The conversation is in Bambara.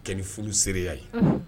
Kɛ furu seereya ye